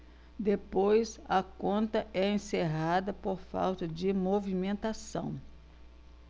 depois a conta é encerrada por falta de movimentação